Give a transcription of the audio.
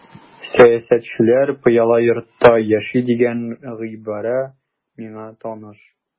Сәясәтчеләр пыяла йортта яши дигән гыйбарә миңа таныш.